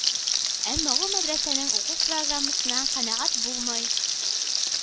Әмма ул мәдрәсәнең уку программасыннан канәгать булмый,